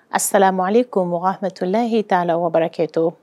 Asalamualekum warahmatulahi taala wabarakɛtu